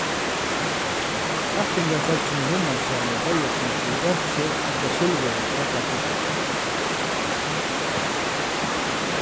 kappingarfólkini vinna sær heiðursmerki í bronsu ella silvuri ella gulli